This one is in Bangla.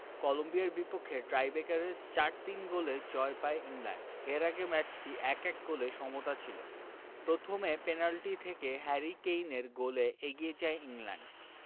কলম্বিয়ার বিপক্ষে টাইব্রেকারে ৪ ৩ গোলে জয় পায় ইংল্যান্ড এর আগে ম্যাচটি ১ ১ গোলে সমতা ছিল প্রথমে পেনাল্টি থেকে হ্যারি কেইনের গোলে এগিয়ে যায় ইংল্যান্ড